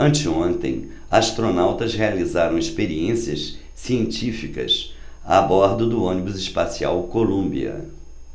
anteontem astronautas realizaram experiências científicas a bordo do ônibus espacial columbia